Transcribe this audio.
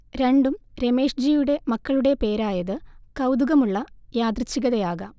രണ്ടും രമേഷ്ജിയുടെ മക്കളുടെ പേരായത് കൗതുകമുള്ള യാദൃച്ഛികതയാകാം